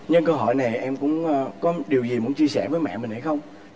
nhân cơ hội này em cũng có điều gì muốn chia sẻ với mẹ mình hay không